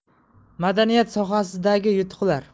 madaniyat sohasidagi yutuqlar